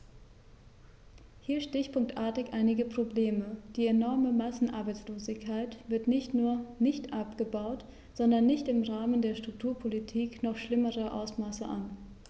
Hier stichpunktartig einige Probleme: Die enorme Massenarbeitslosigkeit wird nicht nur nicht abgebaut, sondern nimmt im Rahmen der Strukturpolitik noch schlimmere Ausmaße an.